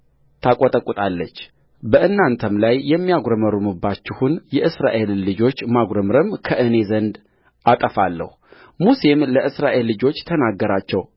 ታቈጠቁጣለች በእናንተም ላይ የሚያጕረመርሙባችሁን የእስራኤልን ልጆች ማጕረምረም ከእኔ ዘንድ አጠፋለሁሙሴም ለእስራኤል ልጆች ተናገራቸው